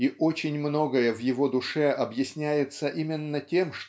и очень многое в его душе объясняется именно тем